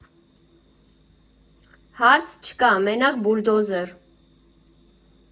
֊ Հարց չկա, մենակ բուլդոզեր։